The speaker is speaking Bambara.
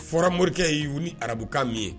Fɔra morikɛ y'u ni arabukan min ye